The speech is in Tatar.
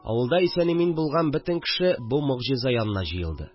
Авылда исән-имин булган бөтен кеше бу могҗиза янына җыелды